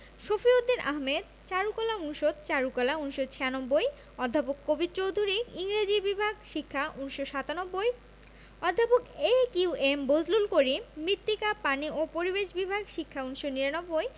শফিউদ্দীন আহমেদ চারুকলা অনুষদ চারুকলা ১৯৯৬ অধ্যাপক কবীর চৌধুরী ইংরেজি বিভাগ শিক্ষা ১৯৯৭ অধ্যাপক A Q M Bazlul Karim মৃত্তিকা পানি ও পরিবেশ বিভাগ শিক্ষা ১৯৯৯